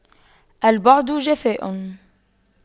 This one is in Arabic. البعد جفاء